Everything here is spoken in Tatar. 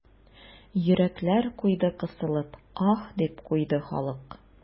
Йөрәкләр куйды кысылып, аһ, дип куйды халык.